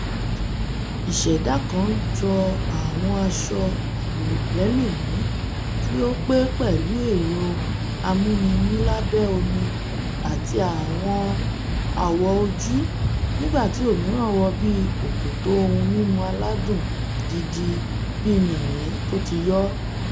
Ìṣẹdá kan jọ àwọn asọ ẹ̀rọ ìbẹ́lumi tí ó pé pẹ̀lu ẹ̀rọ amúnimílábẹ-omi àti àwọn awò ojú, nígbà tí òmíràn wò bíi òkòtó ohun mímu aládùn dídì bíi yìnyín tóti yo.